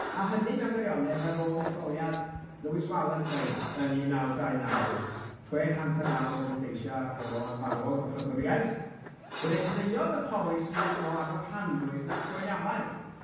a hynny mewn gwirionedd ar ôl etholiad Lewis Valentine yn un naw dau naw, chwe chant a naw o bleidleisia' o anfarwol goffadwriaeth, fe ddechreuodd y polisi o arwahanrwydd laco'i afael.